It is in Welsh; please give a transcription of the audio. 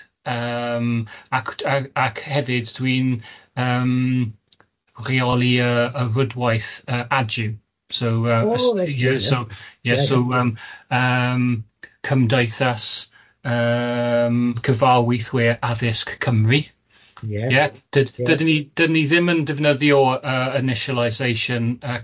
Yym ac ac hefyd dwi'n yym rheoli y y rydwaith yy aduw so yy... Oh reit. ...so ie so yym cymdaithas yym cyfarwithwyr addysg Cymru ie... ie. ...dyd- dydyn ni dydyn ni ddim yn defnyddio yy initialisation yy CAC.